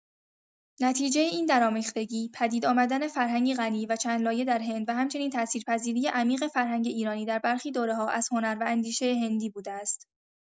نتیجه این درآمیختگی، پدید آمدن فرهنگی غنی و چندلایه در هند و همچنین تأثیرپذیری عمیق فرهنگ ایرانی در برخی دوره‌ها از هنر و اندیشه هندی بوده است.